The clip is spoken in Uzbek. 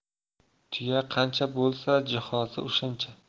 tuya qancha bo'lsa jihozi o'shancha